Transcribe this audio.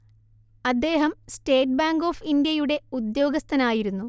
അദ്ദേഹം State Bank of ഇന്ത്യയുടെ ഉദ്യ്യോഗസ്ഥനായിരുന്നു